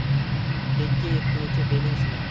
bekka yetguncha beling sinar